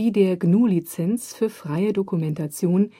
GNU Lizenz für freie Dokumentation